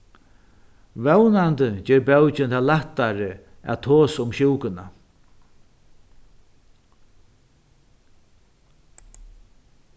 vónandi ger bókin tað lættari at tosa um sjúkuna